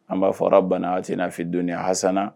An b'a fɔ bana ase n'afidon hasaana